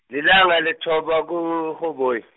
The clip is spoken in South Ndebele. lilanga lethoba, kuRhoboyi.